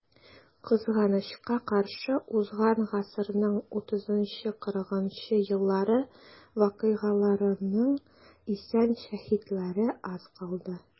Кызганычка каршы, узган гасырның 30-40 еллары вакыйгаларының исән шаһитлары аз калды.